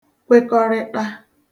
kwekọrịṭa